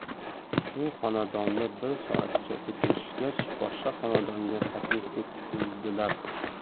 bu xonadonda bir soatcha o'tirishgach boshqa xonadonga taklif etildilar